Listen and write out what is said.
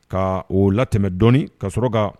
Ka oo latɛ dɔɔnin ka sɔrɔ ka